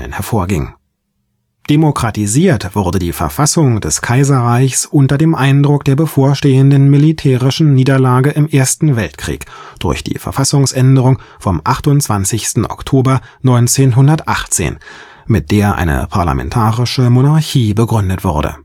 hervorging. Demokratisiert wurde die Verfassung des Kaiserreichs unter dem Eindruck der bevorstehenden militärischen Niederlage im Ersten Weltkrieg durch die Verfassungsänderung vom 28. Oktober 1918, mit der eine parlamentarische Monarchie begründet wurde